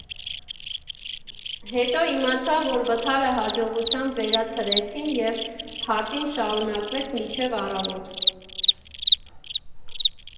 Հետո իմացա, որ վթարը հաջողությամբ վերացրեցին, և փարթին շարունակվեց մինչև առավոտ։